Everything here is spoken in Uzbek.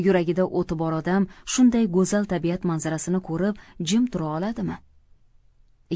yuragida o'ti bor odam shunday go'zal tabiat manzarasini ko'rib jim tura oladimi